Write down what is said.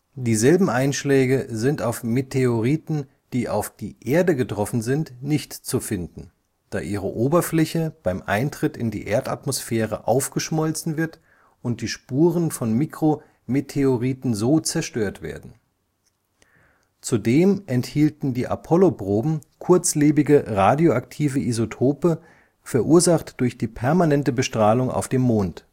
Dieselben Einschläge sind auf Meteoriten, die auf die Erde getroffen sind, nicht zu finden, da ihre Oberfläche beim Eintritt in die Erdatmosphäre aufgeschmolzen wird und die Spuren von Mikrometeoriten so zerstört werden. Zudem enthielten die Apollo-Proben kurzlebige radioaktive Isotope, verursacht durch die permanente Bestrahlung auf dem Mond